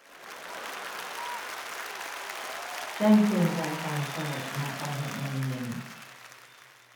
แจ้งเตือนรายการโปรดมาตอนหกโมงเย็น